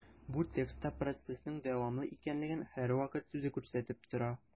Бу текстта процессның дәвамлы икәнлеген «һәрвакыт» сүзе күрсәтеп тора.